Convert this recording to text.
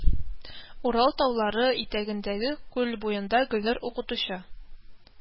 Урал таулары итәгендәге күл буенда Гөлнур укытучы